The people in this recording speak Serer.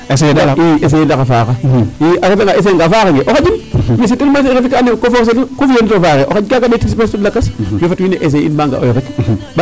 Essayer ndax a faaxa i o essayer anga a faaxangee o xaƴin ko fi'an to faaxee o xaƴ kaga ɗeetik lakas fat wiin we essayer i baa nganjooyo rek.